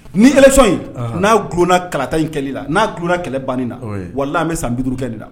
Ni élection in n'a dulonna kalata in kɛlɛli n'a dulonna kɛlɛ in banni na walaye an bɛ san bi duuru kɛ ni na